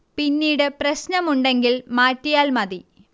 പിന്നീട് പ്രശ്നമുണ്ടെങ്കിൽ മാറ്റിയാൽ മതി